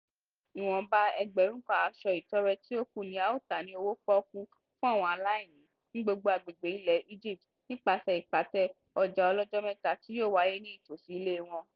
Ìwọ̀nba ẹgbẹ̀rún kan aṣọ ìtọrẹ tí ó kù ni a ó tà ní owó pọ́ọ́kú fún àwọn aláìní ní gbogbo agbègbè ilẹ̀ Egypt nípasẹ̀ ìpàtẹ ọjà ọlọ́jọ́-mẹ́ta tí yóò wáyé ní nítòsí ilé wọn.